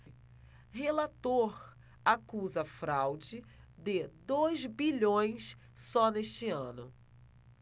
relator acusa fraude de dois bilhões só neste ano